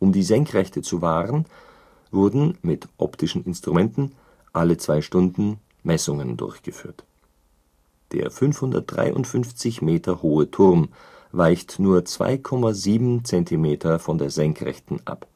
die Senkrechte zu wahren, wurden mit optischen Instrumenten alle zwei Stunden Messungen durchgeführt. Der 553 Meter hohe Turm weicht nur 2,7 Zentimeter von der Senkrechten ab